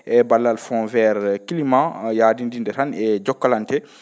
e ballal fond vert climat yadindinde ran e jokalante